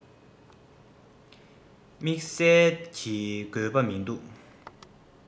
དམེགས བསལ གྱི དགོས པ མིན འདུག